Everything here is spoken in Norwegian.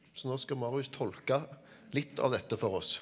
så nå skal Marius tolke litt av dette for oss.